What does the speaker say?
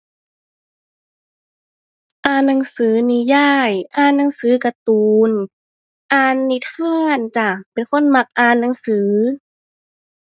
อ่านหนังสือนิยาย อ่านหนังสือการ์ตูน อ่านนิทานจ้า เป็นคนมักอ่านหนังสือ